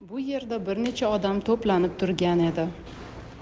bu yerda bir necha odam to'planib turgan edi